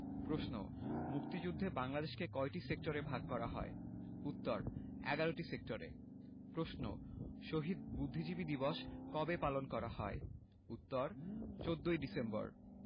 প্রশ্ন মুক্তিযুদ্ধে বাংলাদেশকে কয়টি সেক্টরে ভাগ করা হয় উত্তর ১১টি সেক্টরে প্রশ্ন শহীদ বুদ্ধিজীবী দিবস কবে পালন করা হয় উত্তর ১৪ ডিসেম্বর